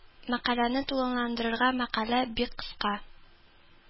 Мәкаләне тулыландырырга мәкалә бик кыска